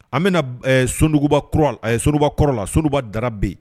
An bɛna ɛɛ Sonuguba kura la ɛ Sonuguba kɔrɔ la Sonuguba Dara bɛ yen